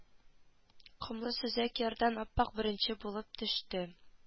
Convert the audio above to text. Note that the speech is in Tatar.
Комлы сөзәк ярдан аппак беренче булып төште